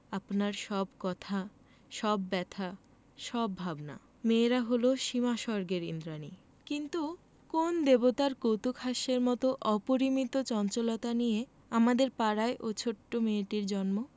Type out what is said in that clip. চাই আপনার সব কথা সব ব্যাথা সব ভাবনা মেয়েরা হল সীমাস্বর্গের ঈন্দ্রাণী কিন্তু কোন দেবতার কৌতূকহাস্যের মত অপরিমিত চঞ্চলতা নিয়ে আমাদের পাড়ায় ঐ ছোট মেয়েটির জন্ম